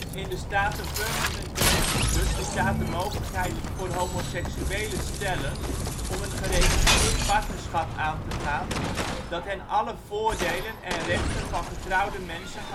In de staten Vermont en Connecticut bestaat de mogelijkheid voor homoseksuele stellen om een geregistreerd partnerschap aan te gaan, die hen alle voordelen en rechten van getrouwde mensen